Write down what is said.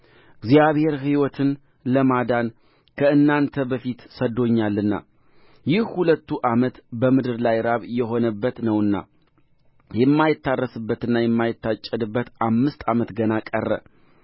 እግዚአብሔር ሕይወትን ለማዳን ከእናንተ በፊት ሰድዶኛልና ይህ ሁለቱ ዓመት በምድር ላይ ራብ የሆነበት ነውና የማይታረስበትና የማይታጨድበት አምስት ዓመት ገና ቀረ